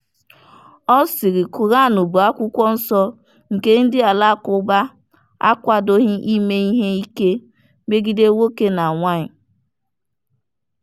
Ọ siri, Koranu bụ akwụkwọ nsọ nke ndị Alakụba akwadoghị ime ihe ike megide nwoke na nwaanyị.